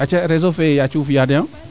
aca reseau fee yaacu fiya de